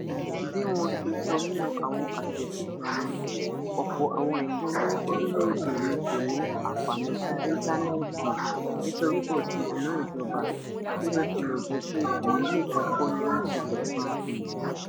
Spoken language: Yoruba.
Bí mo ṣe sọ nínú àwọn àtẹ̀síta mi [Fr], ọ̀pọ̀ àwọn ìlú ní orílẹ̀ èdè ní kò ní àńfààní sí íntànẹ́ẹ̀tí nítorí kò sí ìná ìjọba, bí ó tilẹ̀ jẹ́ pé èyí nìkan kọ́ ní ó ń ṣokùnfa èyí.